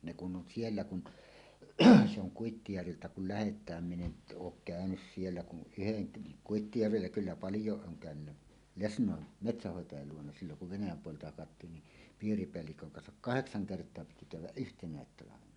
ne kun on siellä kun se on Kuittijärviltä kun lähdetään minä en ole käynyt siellä kuin yhden - Kuittijärvillä kyllä paljon olen käynyt lesnoin metsänhoitajalla luona silloin kun Venäjän puolelta hakattiin niin piiripäällikön kanssa kahdeksan kertaa piti käydä yhtenä talvena